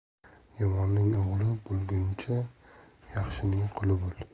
yomonning o'g'li bo'lguncha yaxshining quli bo'l